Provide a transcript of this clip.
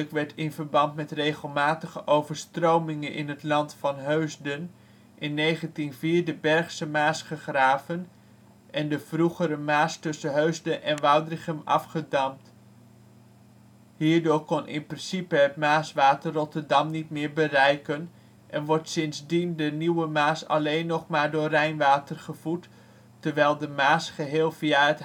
werd in verband met regelmatige overstromingen in het Land van Heusden in 1904 de Bergse Maas gegraven en de vroegere Maas tussen Heusden en Woudrichem afgedamd. Hierdoor kon in principe het Maaswater Rotterdam niet meer bereiken en wordt sindsdien de Nieuwe Maas alleen nog maar door Rijnwater gevoed, terwijl de Maas geheel via